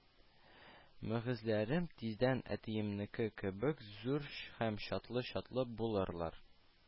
– мөгезләрем тиздән әтиемнеке кебек зур һәм чатлы-чатлы булырлар,